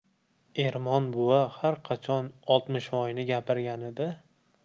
ermon buva har qachon oltmishvoyni gapirganida